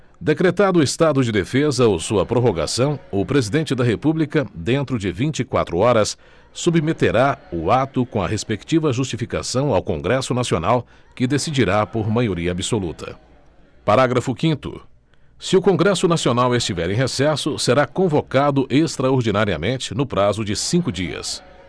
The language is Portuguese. decretado o estado de defesa ou sua prorrogação o presidente da república dentro de vinte e quatro horas submeterá o ato com a respectiva justificação ao congresso nacional que decidirá por maioria absoluta parágrafo quinto se o congresso nacional estiver em recesso será convocado extraordinariamente no prazo de cinco dias